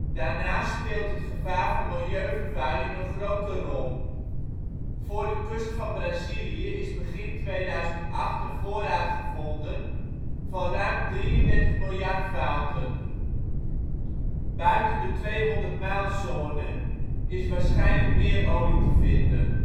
Daarnaast speelt het gevaar van milieuvervuiling een grote rol. Voor de kust van Brazilië is begin 2008 een voorraad gevonden van ruim 33 miljard vaten. Buiten de 200 mijlszone is waarschijnlijk meer olie te vinden